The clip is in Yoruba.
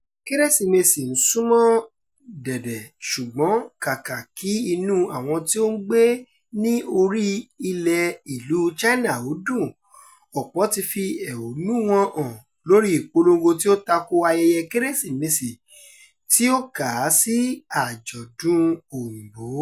Kérésìmesì ń sún mọ́ dẹ̀dẹ̀ ṣùgbọ́n kàkà kí inú àwọn tí ó ń gbé ní orí-ilẹ̀ ìlú China ò dùn, ọ̀pọ́ ti fi ẹ̀hónú-u wọn hàn lórí ìpolongo tí ó tako ayẹyẹ Kérésìmesì tí ó kà á sí àjọ̀dún Òyìnbó.